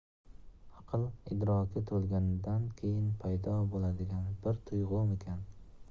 aql idroki to'lgandan keyin paydo bo'ladigan bir tuyg'umikin